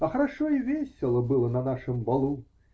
А хорошо и весело было на нашем балу!